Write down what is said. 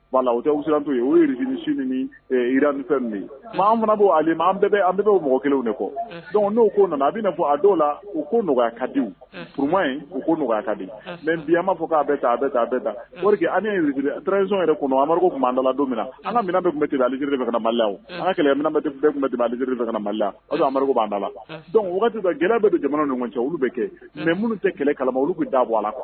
Otu ye u yesiri siran ye b' ale an bɛ mɔgɔ kelen de kɔ dɔnkuc n'o koo nana a bɛ fɔ a dɔw la u ko nɔgɔya kadi in u ko nɔgɔya kadi mɛ bi an' fɔ'a bɛ ta a bɛ bɛɛ da yɛrɛ kɔnɔ amaduda don min an minɛn kun ten a zsiririma an kɛlɛ kun a zsiririmala amadubu'da la dɔnku wagati g bɛ jamana ni cɛ olu bɛ kɛ mɛ minnu tɛ kɛlɛ kala olu bɛ da bɔ a ala qu